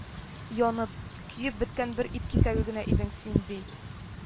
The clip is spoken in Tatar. Янып, көеп беткән бер ит кисәге генә идең, син, ди